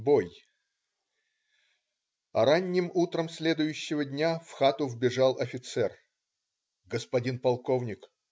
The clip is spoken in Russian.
Бой А ранним утром следующего дня в хату вбежал офицер: "господин полковник!